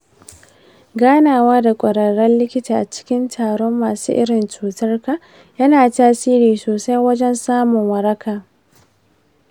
ganawa da ƙwararren likita a cikin taron masu irin cutar ka yana tasiri sosai wajen samun waraka.